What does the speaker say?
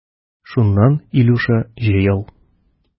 Шуннан, Илюша, җыел.